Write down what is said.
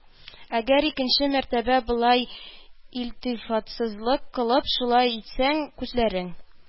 Әгәр икенче мәртәбә болай илтифатсызлык кылып, шулай итсәң, күзләрең